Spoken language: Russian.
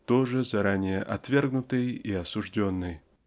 тоже заранее отвергнутой и осужденной.